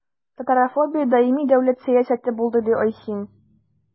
Татарофобия даими дәүләт сәясәте булды, – ди Айсин.